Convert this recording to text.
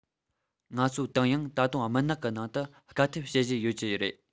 ང ཚོའི ཏང ཡང ད དུང མུན ནག གི ནང དུ དཀའ འཐབ བྱེད བཞིན ཡོད ཀྱི རེད